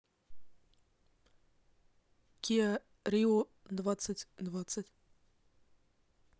киа рио двадцать двадцать